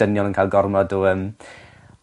dynion yn ca'l gormod o yym